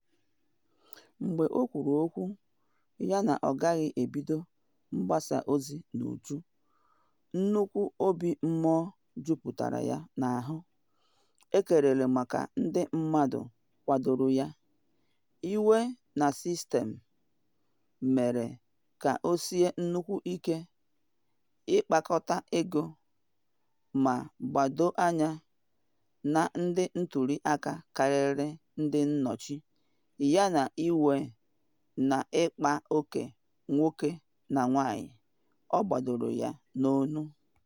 Mgbe o kwuru okwu ya na ọ gaghị ebido mgbasa ozi n’uju, nnukwu obi mmụọ juputara ya n’ahụ - ekele maka ndị mmadụ kwadoro ya, iwe na sistemụ mere ka o sie nnukwu ike ịkpakọta ego ma gbado anya na ndị ntuli aka karịa ndị nnọchite, yana iwe na ịkpa oke nwoke na nwanyị - o gbadoro ya n’onu.